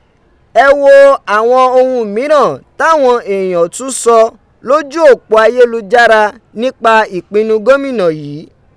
Ẹ wo awọn ohun miran tawọn eeyan tun sọ loju opo ayelujara nipa ipinu Gomina yii.